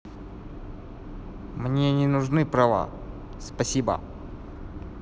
мне не нужны права спасибо